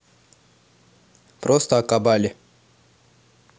просто о кабале